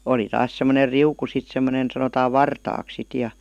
oli taas semmoinen riuku sitten semmoinen sanotaan vartaaksi sitten ja